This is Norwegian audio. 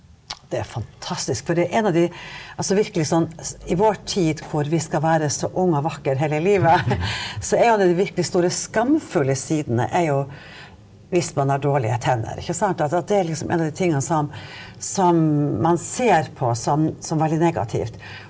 det er fantastisk for en av de altså virkelig sånn i vår tid hvor vi skal være så ung og vakker hele livet så ei av de virkelig store skamfulle sidene er jo hvis man har dårlige tenner ikke sant, at at det er liksom en av de tinga som som man ser på som som veldig negativt.